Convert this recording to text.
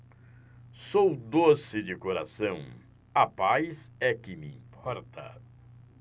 sou doce de coração a paz é que me importa